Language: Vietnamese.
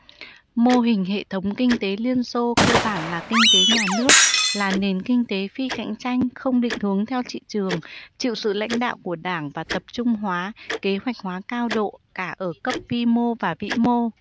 mô hình hệ thống kinh tế liên xô cơ bản là kinh tế nhà nước là nền kinh tế phi cạnh tranh không định hướng theo thị trường chịu sự lãnh đạo của đảng và tập trung hóa kế hoạch hóa cao độ cả ở cấp vi mô và vĩ mô